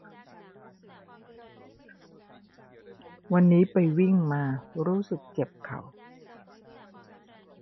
วันนี้ไปวิ่งมารู้สึกเจ็บเข่า